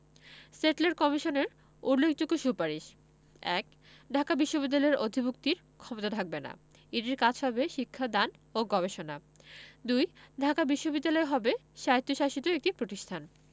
Sadler কমিশনের উল্লেখযোগ্য সুপারিশ: ১. ঢাকা বিশ্ববিদ্যালয়ের অধিভুক্তির ক্ষমতা থাকবে না এটির কাজ হবে শিক্ষা দান ও গবেষণা ২. ঢাকা বিশ্ববিদ্যালয় হবে স্বায়ত্তশাসিত একটি প্রতিষ্ঠান